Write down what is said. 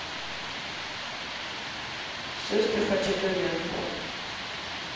сестры хачатурян